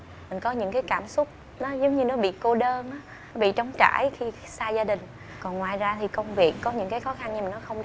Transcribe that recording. mình có những cái cảm xúc nó giống như nó bị cô đơn á bị trống trải khi xa gia đình còn ngoài ra thì công việc có những cái khó khăn nhưng mà nó không